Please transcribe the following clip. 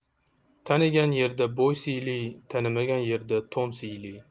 tanigan yerda bo'y siyli tanimagan yerda to'n siyli